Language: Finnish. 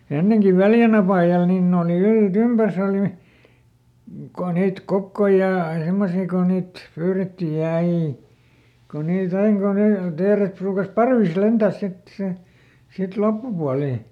ennenkin Väljän apajalla niin ne oli yltympäriinsä oli kun niitä kokkoja ja semmoisia kun niitä pyydettiin ja aina kun niitä aina kun ne teeret ruukasi parvissa lentää sitten - sitten loppupuoli